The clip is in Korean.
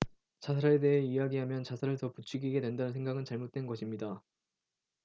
자살에 대해 이야기하면 자살을 더 부추기게 된다는 생각은 잘못된 것입니다